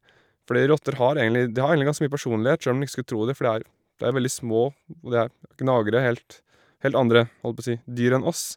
Fordi rotter, har egentlig de har egentlig ganske mye personlighet, sjøl om du ikke skulle tro det, for det er det er veldig små, og de er gnagere, helt helt andre, holdt på å si, dyr enn oss.